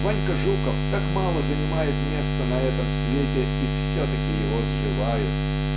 Ванька Жуков так мало занимает места на этом свете и все-таки его сживают